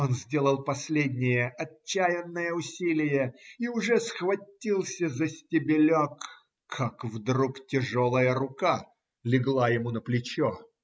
он сделал последнее отчаянное усилие и уже схватился за стебелек, как вдруг тяжелая рука легла ему на плечо.